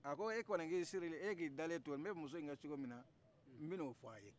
a ko e kɔnin k'i sirilen e k'i dalen to n bɛ muso in kɛ cogomin na n bɛ n'o f'aw ye